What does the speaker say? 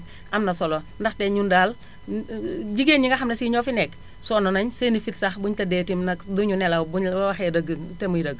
am na solo ndaxte ñun daal jigéen ñi nga xam ne sii ñoo fi nekk sonn nañu seen i fit sax buñu tëddee tamit nag duñu nelaw buñu waxee dëgg te muy dëgg